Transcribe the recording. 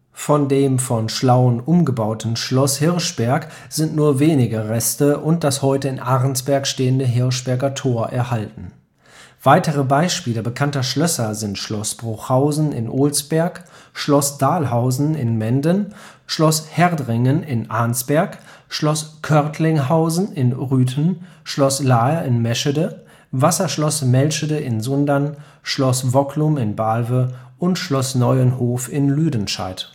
Von dem von Schlaun umgebauten Schloss Hirschberg sind nur wenige Reste und das heute in Arnsberg stehende Hirschberger Tor erhalten. Weitere Beispiele bekannter Schlösser sind Schloss Bruchhausen in Olsberg, Schloss Dahlhausen in Menden, Schloss Herdringen in Arnsberg, Schloss Körtlinghausen in Rüthen, Schloss Laer in Meschede, Wasserschloss Melschede in Sundern, Schloss Wocklum in Balve und Schloss Neuenhof in Lüdenscheid